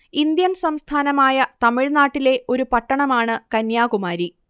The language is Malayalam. ഇന്ത്യൻ സംസ്ഥാനമായ തമിഴ്നാട്ടിലെ ഒരു പട്ടണമാണ് കന്യാകുമാരി